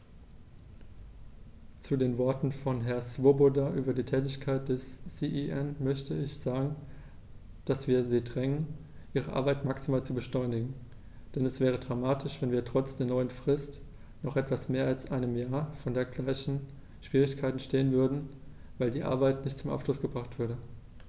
Zu den Worten von Herrn Swoboda über die Tätigkeit des CEN möchte ich sagen, dass wir sie drängen, ihre Arbeit maximal zu beschleunigen, denn es wäre dramatisch, wenn wir trotz der neuen Frist nach etwas mehr als einem Jahr vor den gleichen Schwierigkeiten stehen würden, weil die Arbeiten nicht zum Abschluss gebracht wurden.